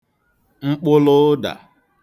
mkpụlụ ụdà